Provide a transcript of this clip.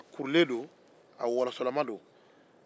a kurulen don komi wɔlɔsɔ